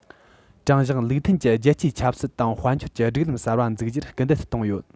དྲང གཞག ལུགས མཐུན གྱི རྒྱལ སྤྱིའི ཆབ སྲིད དང དཔལ འབྱོར གྱི སྒྲིག ལམ གསར པ འཛུགས རྒྱུར སྐུལ འདེད བཏང ཡོད